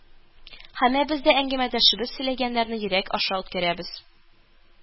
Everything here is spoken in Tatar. Һәммәбез дә әңгәмәдәшебез сөйләгәннәрне йөрәк аша үткәрәбез